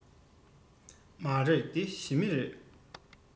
མ རེད འདི ཞི མི རེད